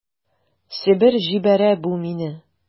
Себер җибәрә бу мине...